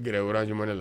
Gɛrɛ yɔrɔ jamana la